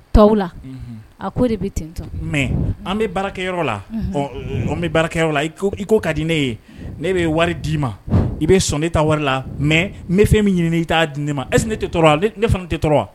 Tu la a ko de bɛ ten mɛ an bɛ baarakɛyɔrɔ la ɔ bɛ baarakɛyɔrɔ la i ko ka di ne ye ne bɛ wari d' ma i bɛ sɔn ne ta wari la mɛ ne fɛn bɛ ɲini i taa di ne ma ɛ ne tɛ tɔɔrɔ ne fana tɛ tɔɔrɔ wa